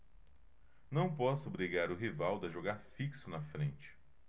não posso obrigar o rivaldo a jogar fixo na frente